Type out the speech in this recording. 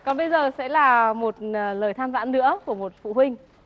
còn bây giờ sẽ là một à lời than vãn nữa của một phụ huynh